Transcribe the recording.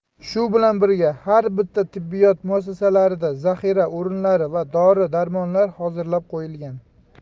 shu bilan birga har bitta tibbiyot muassasalarida zaxira o'rinlari va dori darmonlar hozirlab qo'yilgan